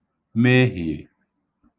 mehiè